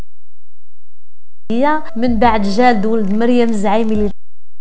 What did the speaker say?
من بعد جاد ولد مريم الزعيم